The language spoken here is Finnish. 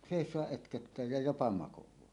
seisoa ötköttää ja jopa makaakin